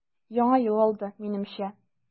Яңа ел алды, минемчә.